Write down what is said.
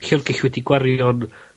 llyfrgell wedi gwario'n